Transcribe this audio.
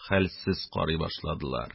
Хәлсез карый башладылар.